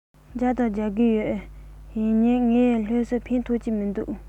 རྒྱག དང རྒྱག གི ཡོད ཡིན ནའི ངའི སློབ གསོས ཕན ཐོགས ཀྱི མི འདུག